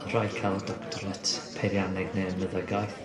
O' rhaid ca'l doctorate peirianneg ne' meddygaeth.